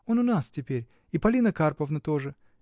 Он у нас теперь, и Полина Карповна тоже.